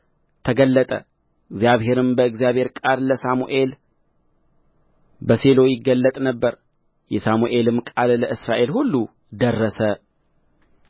ተገለጠ እግዚአብሔርም በእግዚአብሔር ቃል ለሳሙኤል በሴሎ ይገለጥ ነበር የሳሙኤልም ቃል ለእስራኤል ሁሉ ደረሰ